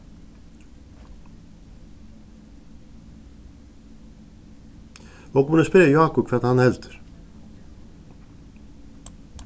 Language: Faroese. okur mugu spyrja jákup hvat ið hann heldur